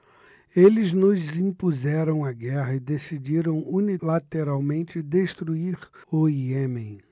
eles nos impuseram a guerra e decidiram unilateralmente destruir o iêmen